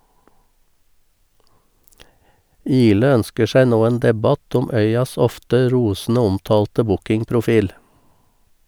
Ihle ønsker seg nå en debatt om Øyas ofte rosende omtalte bookingprofil.